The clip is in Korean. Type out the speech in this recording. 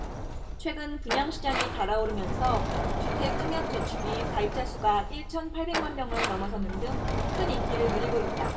최근 분양시장이 달아오르면서 주택청약저축이 가입자수가 일 천 팔백 만명을 넘어서는 등 큰 인기를 누리고 있다